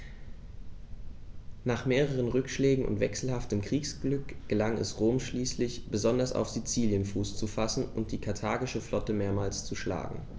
Nach mehreren Rückschlägen und wechselhaftem Kriegsglück gelang es Rom schließlich, besonders auf Sizilien Fuß zu fassen und die karthagische Flotte mehrmals zu schlagen.